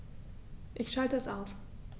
Ich schalte es aus.